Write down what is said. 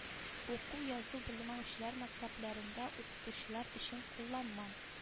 Уку-язу белмәүчеләр мәктәпләрендә укытучылар өчен кулланма